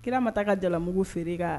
Kira ma taa ka jalamugu feere kan